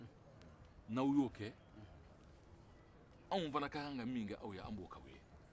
n'aw y'o kɛ anw fana ka kan ka min kɛ anw b'o kɛ aw ye